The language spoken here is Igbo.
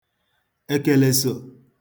èkèlèsò